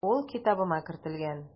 Ул китабыма кертелгән.